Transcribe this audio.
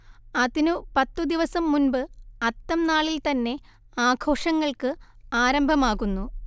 അതിനു പത്തു ദിവസം മുൻപ് അത്തം നാളിൽ തന്നെ ആഘോഷങ്ങൾക്ക് ആരംഭമാകുന്നു